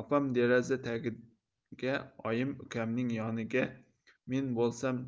opam deraza tagiga oyim ukamning yoniga men bo'lsam